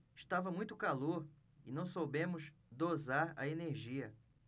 estava muito calor e não soubemos dosar a energia